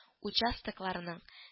Участокларының